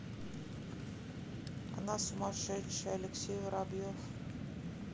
она сумасшедшая алексей воробьев